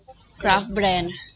กราฟแบรนด์